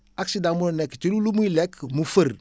accident mun na nekk ci lu muy lekk mu fër